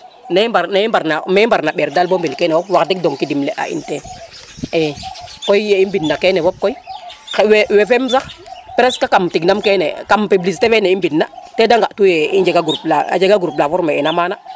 we i mbar na we i mbar na mber dal bo mbin kene fop wax deg Ndong a dimla a in teen i so ye i mbina kene fop koy we Fem sax presque kam tiganam kene kam publiciter fene i mbi na te de nga tuye i jega groupe a jega groupe la former ena